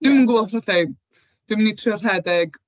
Dwi'm yn gwybod os alla i, dwi'n mynd i trio rhedeg.